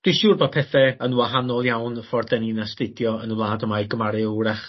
dwi siŵr bo' pethe yn wahanol iawn y ffor 'dan ni'n astudio yn y wlad yma i gymaru â 'w'rach